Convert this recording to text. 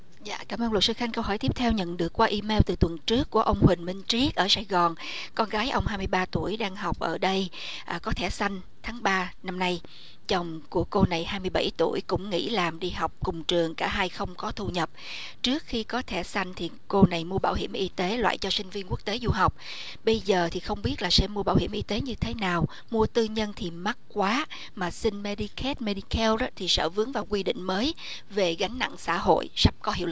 dạ cám ơn luật sư khanh câu hỏi tiếp theo nhận được qua i meo từ tuần trước của ông huỳnh minh trí ở sài gòn con gái ông hai mươi ba tuổi đang học ở đây à có thẻ xanh tháng ba năm nay chồng của cô này hai mươi bảy tuổi cũng nghỉ làm đi học cùng trường cả hai không có thu nhập trước khi có thẻ xanh thì cô này mua bảo hiểm y tế loại cho sinh viên quốc tế du học bây giờ thì không biết là sẽ mua bảo hiểm y tế như thế nào mua tư nhân thì mắc quá mà xin me đi két me đi keo đó thì sợ vướng vào quy định mới về gánh nặng xã hội sắp có hiệu